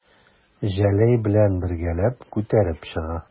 Җәләй белән бергәләп күтәреп чыга.